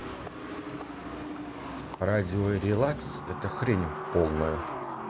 радио релакс